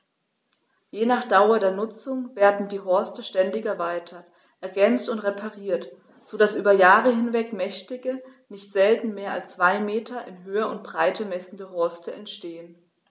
Je nach Dauer der Nutzung werden die Horste ständig erweitert, ergänzt und repariert, so dass über Jahre hinweg mächtige, nicht selten mehr als zwei Meter in Höhe und Breite messende Horste entstehen.